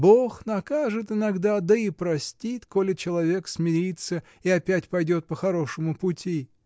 Бог накажет иногда да и простит, коли человек смирится и опять пойдет по хорошему пути.